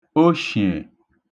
oshìè